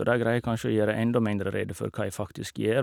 Og der greier jeg kanskje å gjøre enda mindre rede for hva jeg faktisk gjør.